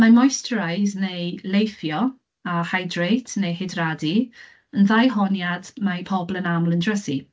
Mae moisturise neu leithio, a hydrate neu hydradu, yn ddau honiad mae pobl yn aml yn drysu.